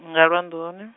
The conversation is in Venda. nga lwa nḓuni.